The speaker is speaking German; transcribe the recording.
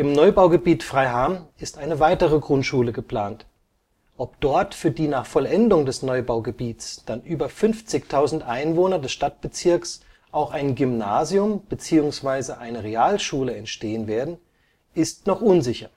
Neubaugebiet Freiham ist eine weitere Grundschule geplant. Ob dort für die nach Vollendung des Neubaugebiets dann über 50.000 Einwohner des Stadtbezirks auch ein Gymnasium und/oder eine Realschule entstehen werden, ist noch unsicher